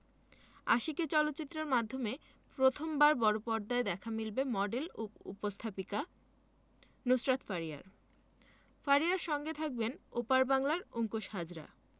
আশিকী চলচ্চিত্রের মাধ্যমে প্রথমবার বড়পর্দায় দেখা মিলবে মডেল ও উপস্থাপিকা নুসরাত ফারিয়ার ফারিয়ার সঙ্গে থাকবেন ওপার বাংলার অংকুশ হাজরা